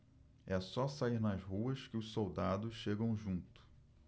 é só sair nas ruas que os soldados chegam junto